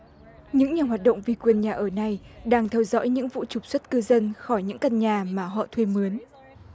những nhà hoạt động vì quyền nhà ở này đang theo dõi những vụ trục xuất cư dân khỏi những căn nhà mà họ thuê mướn